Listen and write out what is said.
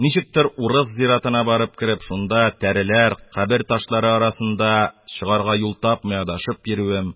Ничектер рус зиратына барып кереп, шунда тәреләр, кабер ташлары арасында, чыгарга юл тапмый, адашып йөрүем,